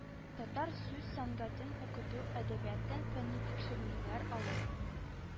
Татар сүз сәнгатен укыту, әдәбияттан фәнни тикшеренүләр алып